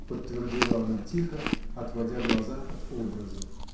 — подтвердила она тихо, отводя глаза от образа.